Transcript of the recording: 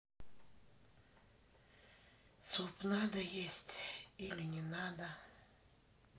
суп надо есть или не надо